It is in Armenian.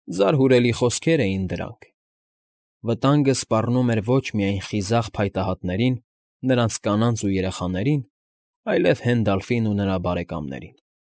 Զարհուրելի խոսքեր էին դրանք. վտանգը սպառնում էր ոչ միայն խիզախ փայտահատներին, նրանց կանանց ու երեխաներին, այլև Հենդալֆին ու նրա բարեկամներին։